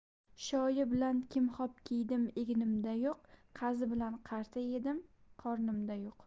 shoyi bilan kimxob kiydim egnimda yo'q qazi bilan qarta yedim qornimda yo'q